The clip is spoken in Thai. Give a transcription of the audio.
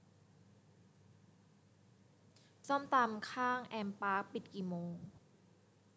ส้มตำข้างแอมปาร์คปิดกี่โมง